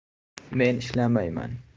men ishlamayman